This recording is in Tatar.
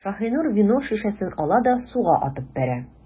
Шаһинур вино шешәсен ала да суга атып бәрә.